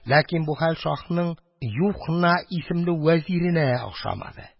Ләкин бу хәл шаһның Юхна исемле вәзиренә ошамады.